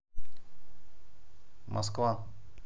москва